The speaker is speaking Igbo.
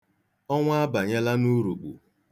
Ọnwa abanyela n'urukpu.